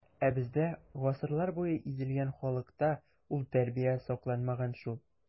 Ә бездә, гасырлар буе изелгән халыкта, ул тәрбия сакланмаган шул.